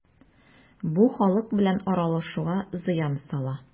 Бу халык белән аралашуга зыян сала.